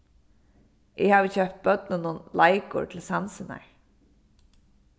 eg havi keypt børnunum leikur til sansirnar